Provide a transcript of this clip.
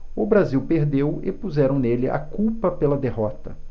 o brasil perdeu e puseram nele a culpa pela derrota